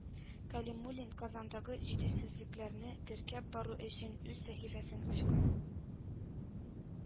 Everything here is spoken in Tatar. Кәлимуллин Казандагы җитешсезлекләрне теркәп бару өчен үз сәхифәсен ачкан